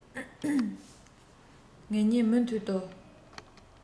ངེད གཉིས མུ མཐུད དུ